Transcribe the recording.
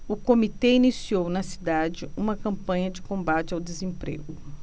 o comitê iniciou na cidade uma campanha de combate ao desemprego